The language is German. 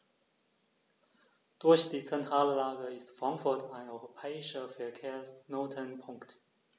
Durch die zentrale Lage ist Frankfurt ein europäischer Verkehrsknotenpunkt.